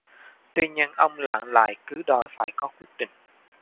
tuy nhiên ông lạng lại cứ đòi phải có quyết định